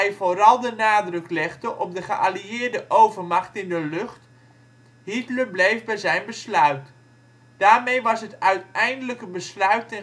vooral de nadruk legde op de geallieerde overmacht in de lucht, Hitler bleef bij zijn besluit. Daarmee was het uiteindelijke besluit